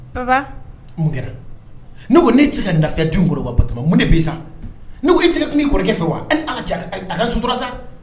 Papa mun Kɛra? Ne ko ne tɛ se ka lafiya dun in kɔnɔ de wa Batɔɔma e tɛ se ka kum'i kɔrɔkɛ fɛ wa?